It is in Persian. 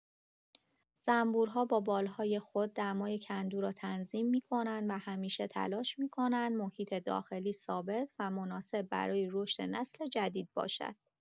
زنبورها با بال‌های خود دمای کندو را تنظیم می‌کنند و همیشه تلاش می‌کنند محیط داخلی ثابت و مناسب برای رشد نسل جدید باشد.